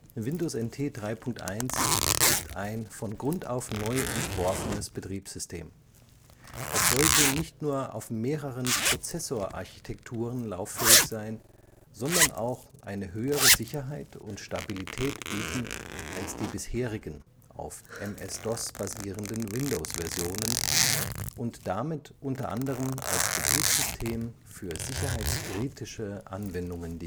Windows NT 3.1 ist ein von Grund auf neu entworfenes Betriebssystem. Es sollte nicht nur auf mehreren Prozessorarchitekturen lauffähig sein, sondern auch eine höhere Sicherheit und Stabilität bieten als die bisherigen, auf MS-DOS basierenden Windows-Versionen, und damit unter anderem als Betriebssystem für sicherheitskritische Anwendungen